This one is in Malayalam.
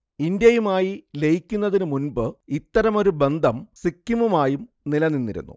ഇന്ത്യയുമായി ലയിക്കുന്നതിനു മുൻപ് ഇത്തരമൊരു ബന്ധം സിക്കിമുമായും നിലനിന്നിരുന്നു